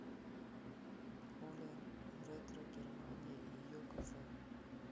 оля ретро германия и ее кафе